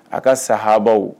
A ka saaabaa